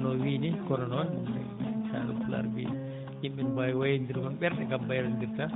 no o wiyi ni kono noon haalooɓe pulaar no mbiyi nii yimɓe no mbaawi wayronndirde kono ɓerɗe kam mbayronndirtaa